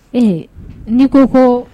Ee ni ko ko